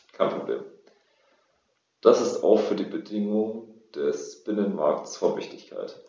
Das ist auch für die Bedingungen des Binnenmarktes von Wichtigkeit.